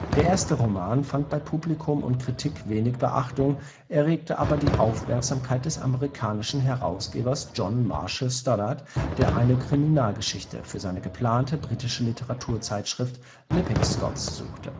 erste Roman fand bei Publikum und Kritik wenig Beachtung, erregte aber die Aufmerksamkeit des amerikanischen Herausgebers John Marshall Stoddart, der eine Kriminalgeschichte für seine geplante britische Literatur-Zeitschrift Lippinscott’ s suchte